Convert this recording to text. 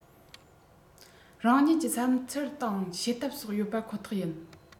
རང ཉིད ཀྱི བསམ ཚུལ དང བྱེད ཐབས སོགས ཡོད པ ཁོ ཐག ཡིན